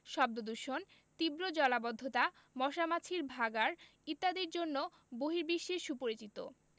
শব্দদূষণ তীব্র জলাবদ্ধতা মশা মাছির ভাঁগাড় ইত্যাদির জন্য বহির্বিশ্বে সুপরিচিত